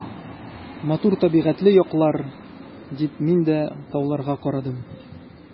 Матур табигатьле яклар, — дип мин дә тауларга карадым.